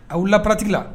A' laratigi la